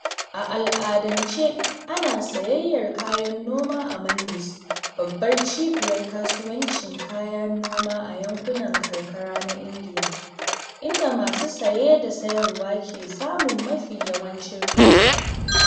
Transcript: A al’adance, ana sayayyar kayan noma a “mandis” (babbar cibiyar kasuwancin kayan noma a yankunan karkara na Indiya), inda masu saye da sayarwa ke samun mafi yawancin ribar.